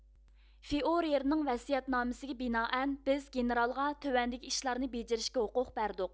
فىئۇرېرنىڭ ۋەسىيەتنامىسىگە بىنائەن بىز گېنېرالغا تۆۋەندىكى ئىشلارنى بېجىرىشكە ھوقۇق بەردۇق